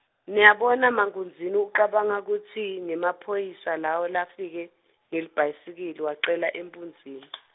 ngiyabona mankunzini ucabanga kutsi, ngemaphoyisa lawa lefika, ngelibhayisikili wacela empunzini.